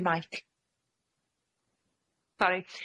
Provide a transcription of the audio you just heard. Ie mike. Sori.